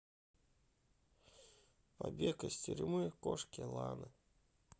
побег из тюрьмы кошки ланы